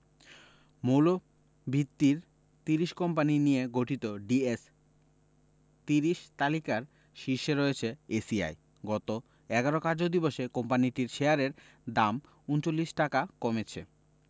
মৌলভিত্তির ৩০ কোম্পানি নিয়ে গঠিত ডিএস ৩০ তালিকার শীর্ষে রয়েছে এসিআই গত ১১ কার্যদিবসে কোম্পানিটির শেয়ারের দাম ৩৯ টাকা কমেছে